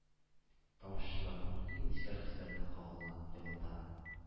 Тамашачыларның иң нечкә хисләренә кагыла, елата